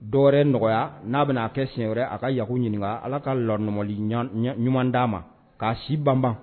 Dɔ wɛrɛ nɔgɔya n'a bɛ n'a kɛ senɲɛ wɛrɛ a ka Yaku ɲininka, Ala ka ɲuman d'a ma, k'a si ban ban